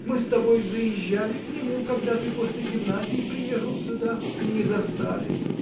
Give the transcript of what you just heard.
Мы с тобой заезжали к нему, когда ты после гимназии приехал сюда, — и не застали.